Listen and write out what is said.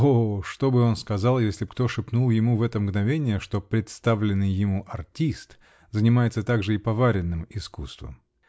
О, что бы он сказал, если б кто шепнул ему в это мгновение, что представленный ему "артист" зананимается также и поваренным искусством!.